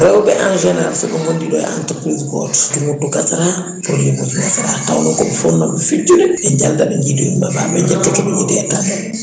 rewɓe en général sooɓe gondi ɗo e entreprise goto * gasata probléme gasata taw noon komi ponnoɗo fijjude ɓe jalda ɓe jiida yumma e baaba *